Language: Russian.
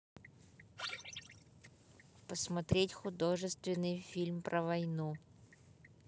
посмотреть художественный фильм про войну